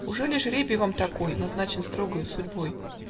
Ужели жребий вам такой Назначен строгою судьбой?